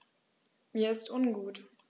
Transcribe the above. Mir ist ungut.